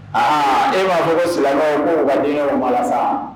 Aa e ma fɔ ko silamɛw k'u ka dinɛ bɛ malasa